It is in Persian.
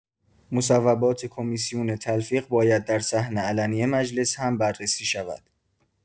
مصوبات کمیسیون تلفیق باید در صحن علنی مجلس هم بررسی شود؛